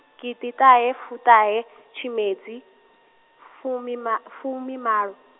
gidiṱahefuṱahe- , tshimedzi, fumima-, fumimalo.